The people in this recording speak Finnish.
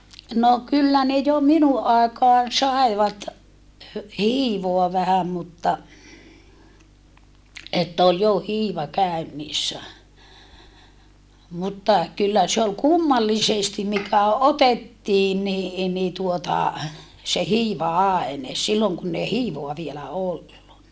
no kyllä ne jo minun aikaan saivat - hiivaa vähän mutta että oli jo hiiva käynnissä mutta kyllä se oli kummallisesti mikä otettiin niin niin tuota se hiiva-aine silloin kun ei hiivaa vielä ollut